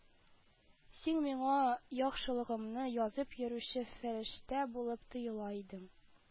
Син миңа яхшылыгымны язып йөрүче фәрештә булып тоела идең